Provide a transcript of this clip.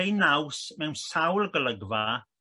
yn creu naws mewn sawl golygfa